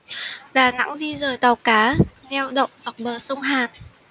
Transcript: đà nẵng di dời tàu cá neo đậu dọc bờ sông hàn